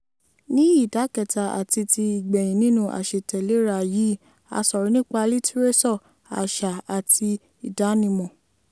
Ní ìdá kẹta àti ti ìgbẹ̀yìn nínú àṣetẹ̀léra yìí, a sọ̀rọ̀ nípa litireso, àṣà àti ìdánimọ̀.